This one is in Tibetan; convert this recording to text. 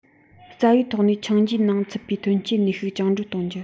རྩ བའི ཐོག ནས འཆིང རྒྱའི ནང ཚུད པའི ཐོན སྐྱེད ནུས ཤུགས བཅིངས འགྲོལ གཏོང རྒྱུ